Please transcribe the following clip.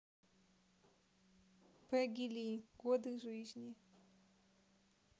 peggy lee годы жизни